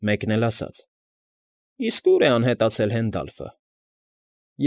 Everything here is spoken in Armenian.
Մեկն էլ ասաց. ֊ Իսկ ո՞ւր է անհետացել Հենդալֆը։